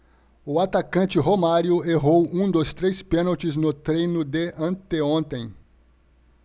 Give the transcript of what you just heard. o atacante romário errou um dos três pênaltis no treino de anteontem